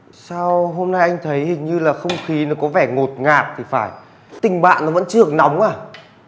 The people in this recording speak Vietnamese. sao hôm nay anh thấy hình như là không khí nó có vẻ ngột ngạt thì phải tình bạn nó vẫn chưa được nóng à